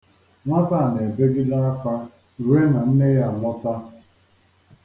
Nwata a na-ebegide akwa rue na nne ya alọta.